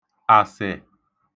àsè